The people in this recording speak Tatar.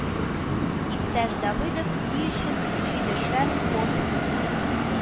Иптәш Давыдов ни өчен җидешәр пот дип